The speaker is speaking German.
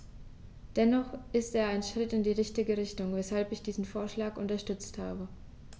Dennoch ist er ein Schritt in die richtige Richtung, weshalb ich diesen Vorschlag unterstützt habe.